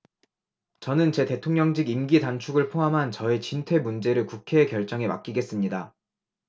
저는 제 대통령직 임기 단축을 포함한 저의 진퇴 문제를 국회의 결정에 맡기겠습니다